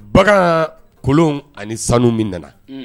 Bagan ,kolonw ani sanu min nana.